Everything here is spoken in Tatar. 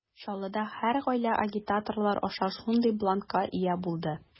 Чаллыда һәр гаилә агитаторлар аша шундый бланкка ия булды.